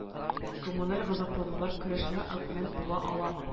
Коммуналь газаплаулар көрәшендә аргумент була аламы